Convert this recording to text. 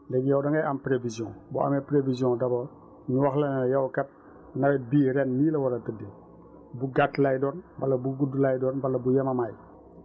léegi yow da ngay am prévision boo amee prévision d' abord ñu wax la ne yow kat nawet bii ren nii la war a tëndee bu gàtt lay doon wala bu gudd lay doon wala bu yemambaay